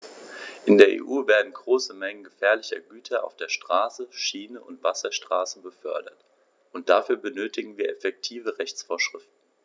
In der EU werden große Mengen gefährlicher Güter auf der Straße, Schiene und Wasserstraße befördert, und dafür benötigen wir effektive Rechtsvorschriften.